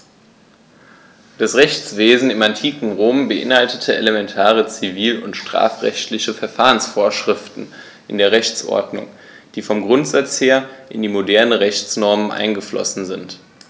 Das Rechtswesen im antiken Rom beinhaltete elementare zivil- und strafrechtliche Verfahrensvorschriften in der Rechtsordnung, die vom Grundsatz her in die modernen Rechtsnormen eingeflossen sind.